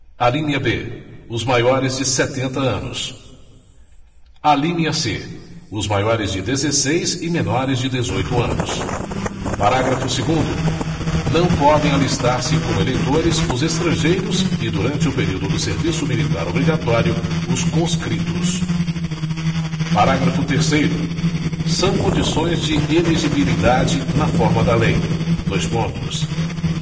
alínea b os maiores de setenta anos alínea c os maiores de dezesseis e menores de dezoito anos parágrafo segundo não podem alistar se como eleitores os estrangeiros e durante o período do serviço militar obrigatório os conscritos parágrafo terceiro são condições de elegibilidade na forma da lei dois pontos